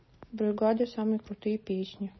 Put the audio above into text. бригада самые крутые песни